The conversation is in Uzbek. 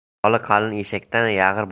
yoli qalin eshakdan yag'ir